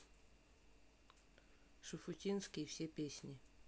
шуфутинский все песни